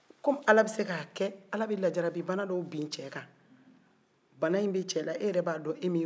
bana bɛ i cɛ la e yɛrɛ b'a dɔn e min ye furumuso ye